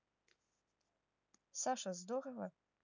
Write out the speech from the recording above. саша здорово